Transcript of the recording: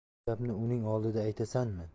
shu gapni uning oldida aytasanmi